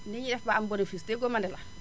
ni éniy def ba am bénéfice déggoo mane la